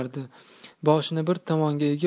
boshini bir tomonga egib